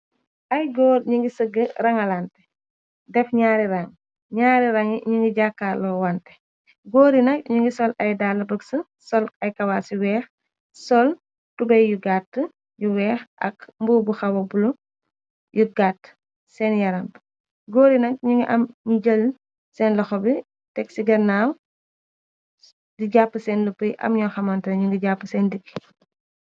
Ay góor ñu ngi sëgg rangalante def ñaari rang ñaari rangi ñu ngi jàkkaalo wante góori nak ñu ngi sol ay dala bucks so sol ay kawaas ci weex sol tubey yu gàtt yu weex ak mbuo bu xawa bulu yu gàtt seen yaram b góori nak ñu ngi am ñi jël seen loxo bi teg ci gannaaw di jàpp seen lupu yi am ñoo xamoontena ñu ngi jàppu seen ndigge.